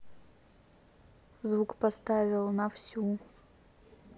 звук поставил на всю